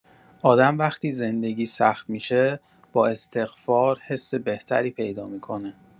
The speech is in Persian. آدم وقتی زندگی سخت می‌شه، با استغفار حس بهتری پیدا می‌کنه.